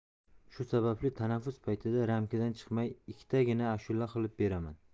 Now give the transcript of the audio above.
shu sababli tanaffus paytida ramkadan chiqmay ikkitagina ashula qilib beraman